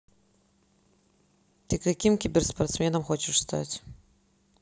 ты каким киберспортсменом хочешь стать